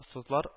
Остсызлар